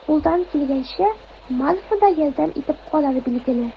Кулдан килгәнчә Марфа да ярдәм итеп карар, билгеле.